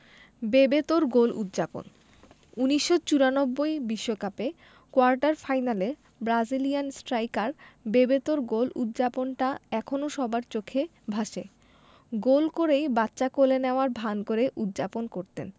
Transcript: বেবেতোর গোল উদ্ যাপন ১৯৯৪ বিশ্বকাপে কোয়ার্টার ফাইনালে ব্রাজিলিয়ান স্ট্রাইকার বেবেতোর গোল উদ্ যাপনটা এখনো সবার চোখে ভাসে গোল করেই বাচ্চা কোলে নেওয়ার ভান করে উদ্ যাপন করতেন